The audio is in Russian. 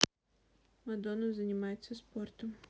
мадонна занимается спортом